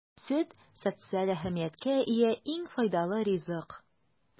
Сөт - социаль әһәмияткә ия иң файдалы ризык.